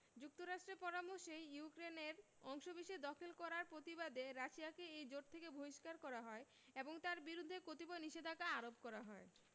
যুক্তরাষ্ট্রের পরামর্শেই ইউক্রেনের অংশবিশেষ দখল করার প্রতিবাদে রাশিয়াকে এই জোট থেকে বহিষ্কার করা হয় এবং তার বিরুদ্ধে কতিপয় নিষেধাজ্ঞা আরোপ করা হয়